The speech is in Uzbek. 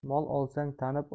mol olsang tanib